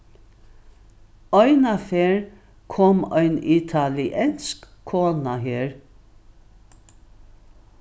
einaferð kom ein italiensk kona her